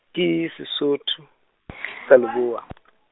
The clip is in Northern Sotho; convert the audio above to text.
ke Sesotho, sa Leboa .